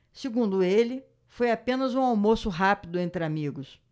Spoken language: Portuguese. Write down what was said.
segundo ele foi apenas um almoço rápido entre amigos